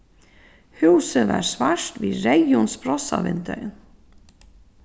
húsið var svart við reyðum sprossavindeygum